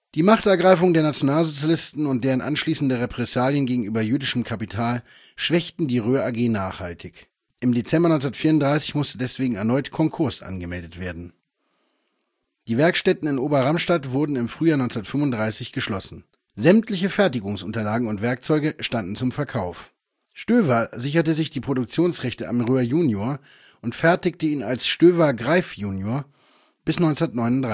Die Machtergreifung der Nationalsozialisten und deren anschließende Repressalien gegenüber jüdischem Kapital schwächten die Röhr AG nachhaltig. Im Dezember 1934 musste deswegen erneut Konkurs angemeldet werden. Die Werkstätten in Ober-Ramstadt wurden im Frühjahr 1935 geschlossen. Sämtliche Fertigungsunterlagen und Werkzeuge standen zum Verkauf. Stoewer sicherte sich die Produktionsrechte am Röhr Junior und fertigte ihn als Stoewer Greif Junior bis 1939